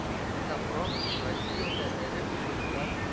“иннопром” – россиядә эре универсаль